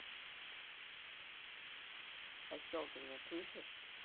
осел ты меня слышишь